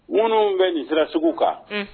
Ŋ bɛ nin sira sugu kan